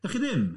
Dach chi ddim?